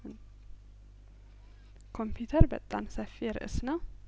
ኮምፒውተር በጣም ሰፊ ርእስ ነው